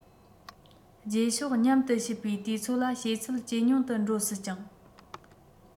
རྗེས ཕྱོགས མཉམ དུ གཤིབ པའི དུས ཚོད ལ བྱེད ཚད ཇེ ཉུང དུ འགྲོ སྲིད ཅིང